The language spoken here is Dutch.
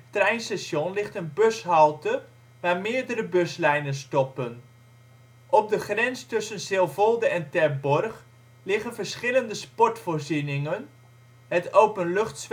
treinstation ligt een bushalte waar meerdere buslijnen stoppen. Op de grens tussen Silvolde en Terborg liggen verschillende sportvoorzieningen: het openluchtzwembad Zwembad